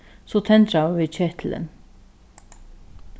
so tendraðu vit ketilin